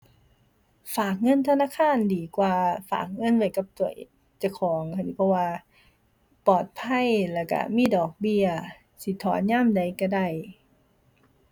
ฝากเงินธนาคารดีกว่าฝากเงินไว้กับตัวเอง เจ้าของหั้น เพราะว่าปลอดภัยแล้วก็มีดอกเบี้ย สิถอนยามใดก็ได้